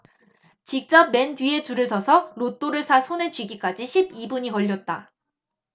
직접 맨 뒤에 줄을 서서 로또를 사 손에 쥐기까지 십 이 분이 걸렸다